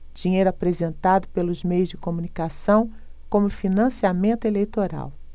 dinheiro apresentado pelos meios de comunicação como financiamento eleitoral